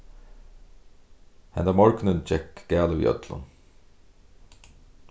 hendan morgunin gekk galið við øllum